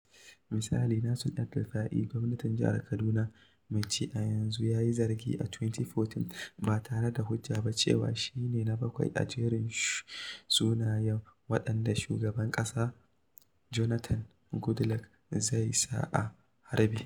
Misali, Nasir El-Rufa'i, gwamnan jihar Kaduna mai ci a yanzu ya yi zargi a 2014 - ba tare da hujja ba - cewa shi ne "na 7 a jerin sunayen waɗanda [shugaban ƙasa Jonathan Goodluck] zai sa a harbe.